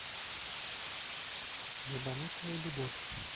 ебанутая любовь